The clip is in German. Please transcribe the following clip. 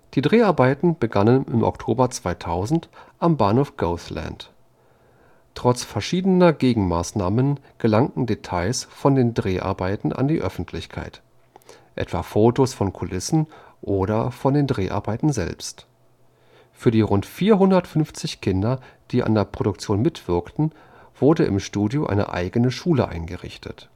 Die Dreharbeiten begannen im Oktober 2000 am Bahnhof Goathland. Trotz verschiedener Gegenmaßnahmen gelangten Details von den Dreharbeiten an die Öffentlichkeit, etwa Fotos von Kulissen oder von den Dreharbeiten selbst. Für die rund 450 Kinder, die an der Produktion mitwirkten, wurde im Studio eine eigene Schule eingerichtet